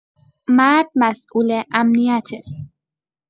مرد مسئول امنیته؛